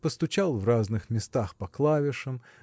постучал в разных местах по клавишам